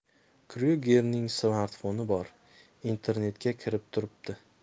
kryugerning smartfoni bor internetga kirib turibdi